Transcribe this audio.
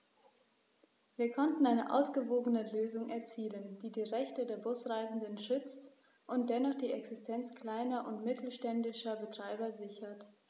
Wir konnten eine ausgewogene Lösung erzielen, die die Rechte der Busreisenden schützt und dennoch die Existenz kleiner und mittelständischer Betreiber sichert.